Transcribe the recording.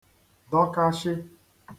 dọkashị